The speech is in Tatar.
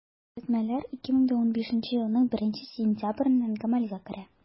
Төзәтмәләр 2015 елның 1 сентябреннән гамәлгә керә.